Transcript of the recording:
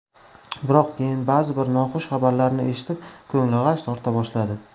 biroq keyin bazi bir noxush xabarlarni eshitib ko'ngli g'ash torta boshladi